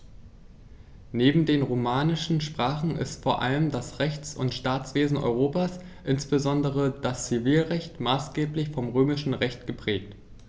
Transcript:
Neben den romanischen Sprachen ist vor allem das Rechts- und Staatswesen Europas, insbesondere das Zivilrecht, maßgeblich vom Römischen Recht geprägt.